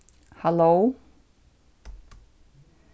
halló